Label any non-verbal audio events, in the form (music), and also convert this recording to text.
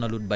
(hesitation) (hesitation)